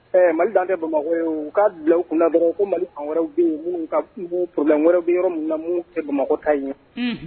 Ɛɛ mali' kɛ bamakɔ ye u k'a bila kunnabagaw ko mali an wɛrɛw bɛ yen ka p wɛrɛ bɛ yɔrɔ na kɛ bamakɔ ta ye